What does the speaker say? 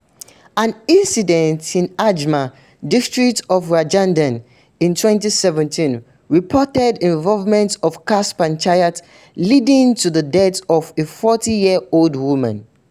An incident in Ajmer district of Rajasthan in 2017 reported involvement of caste panchayat leading to the death of a 40-year-old woman.